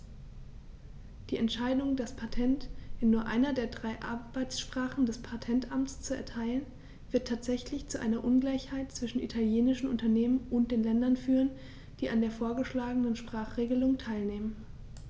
Die Entscheidung, das Patent in nur einer der drei Arbeitssprachen des Patentamts zu erteilen, wird tatsächlich zu einer Ungleichheit zwischen italienischen Unternehmen und den Ländern führen, die an der vorgeschlagenen Sprachregelung teilnehmen.